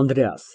ԱՆԴՐԵԱՍ ֊